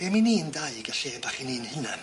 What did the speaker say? Be am i ni'n dau gal lle bach i ni'n hunan?